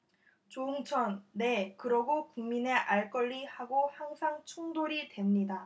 조응천 네 그러고 국민의 알권리 하고 항상 충돌이 됩니다